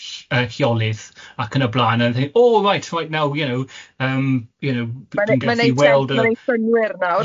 ...ll- yy lleolydd ac yn y blaen a o reit reit naw you know yym you know dwi'n gallu weld yy... Ma'n neud te- ma'n neud synnwyr nawr.